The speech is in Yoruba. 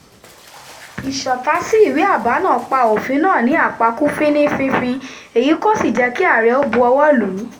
Ìsọtasí ìwé àbá náà pa òfin náà ní àpakú finínfinfín — èyí kò sì jẹ́ kí ààrẹ ó bu ọwọ́ lù ú.